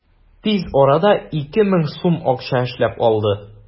Тиз арада 2000 сум акча эшләп алды.